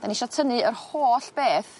'dan ni isio tynnu yr holl beth